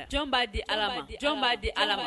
Jɔn b'a di ma jɔn b'a di ala ma